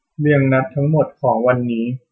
เรียงนัดทั้งหมดของวันนี้